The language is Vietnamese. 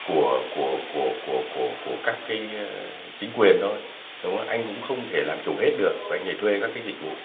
của của của của của của các cái a chính quyền thôi đúng không anh cũng không thể làm chủ hết được và nhảy thuê các cái dịch vụ